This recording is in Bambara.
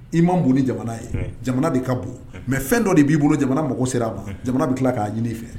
I ma bon ni jamana ye, un, jamana de ka bon, mais fɛn dɔ de b'i bolo jamana mago sera a ma, un, jamana bɛ tila k'a ɲini fɛ.